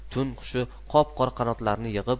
tun qushi qop qora qanotlarini yig'ib